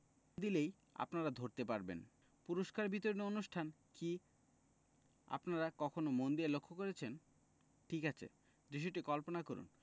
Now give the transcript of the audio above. দিসেই আপনারা ধরতে পারবেন পুরস্কার বিতরণী অনুষ্ঠান কি আপনারা কখনো মন দিয়ে লক্ষ্য করেছেন ঠিক আছে দৃশ্যটি কল্পনা করুন